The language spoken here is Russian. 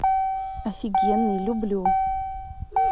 офигенный люблю